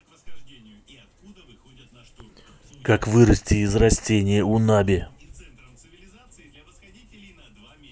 как вырасти из растения унаби